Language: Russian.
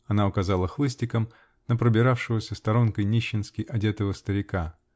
-- Она указала хлыстиком на пробиравшегося сторонкой нищенски одетого старика.